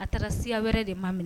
A taara siya wɛrɛ de ma minɛ